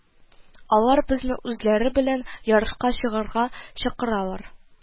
Алар безне үзләре белән ярышка чыгарга чакыралар